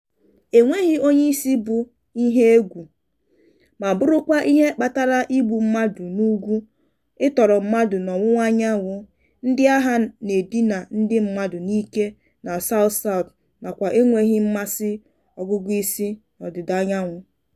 Enweghị Onyeisi bụ ihe egwù ma bụrụkwa ihe kpatara igbu mmadụ n'ugwu, ịtọrọ mmadụ n'ọwụwaanyanwụ, ndị agha na-edina ndị mmadụ n'ike na South South nakwa enweghị mmasị ọgụgụisi n'ọdịdaanyanwụ.